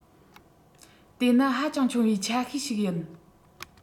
དེ ནི ཧ ཅང ཆུང བའི ཆ ཤས ཤིག ཡིན